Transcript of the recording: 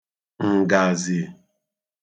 ǹgàzì